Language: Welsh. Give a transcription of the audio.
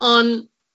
on',